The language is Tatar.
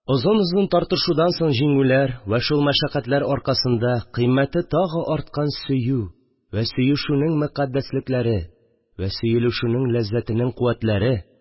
Озын-озын тартышудан соң җиңүләр, вә шул мәшәкатьләр аркасында кыйммәте тагы арткан сөю вә сөешүнең мокаддәслекләре вә сөелешүнең ләззәтенең куәтләре